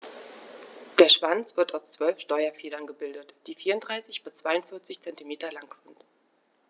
Der Schwanz wird aus 12 Steuerfedern gebildet, die 34 bis 42 cm lang sind.